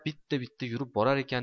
bitta bitta yurib borar ekan